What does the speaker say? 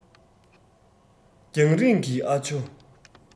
རྒྱང རིང གི ཨ ཇོ